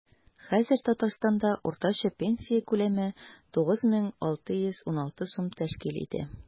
Хәзер Татарстанда уртача пенсия күләме 9616 сум тәшкил итә.